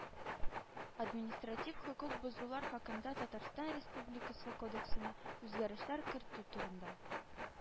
“административ хокук бозулар хакында татарстан республикасы кодексына үзгәрешләр кертү турында”;